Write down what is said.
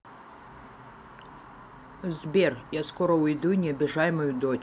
сбер я скоро уйду не обижай мою дочь